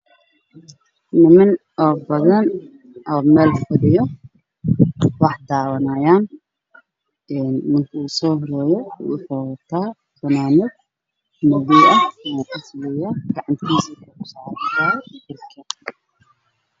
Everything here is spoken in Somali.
Meeshaan waxaa isku imaaday niman badan